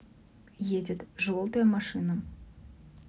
едет желтая машина